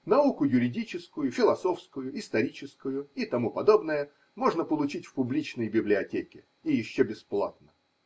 Науку юридическую, философскую, историческую и т.п. можно получить в публичной библиотеке, и еще бесплатно.